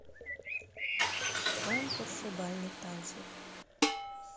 конкурсы бальных танцев